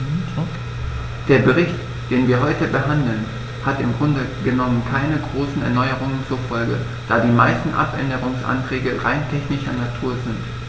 Der Bericht, den wir heute behandeln, hat im Grunde genommen keine großen Erneuerungen zur Folge, da die meisten Abänderungsanträge rein technischer Natur sind.